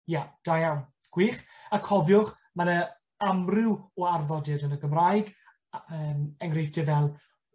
Ie, da iawn, gwych. A cofiwch ma' 'na amryw o arddodied yn y Gymraeg a- yym enghreifftie fel